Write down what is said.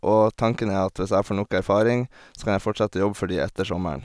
Og tanken er at hvis jeg får nok erfaring, så kan jeg fortsette å jobbe for de etter sommeren.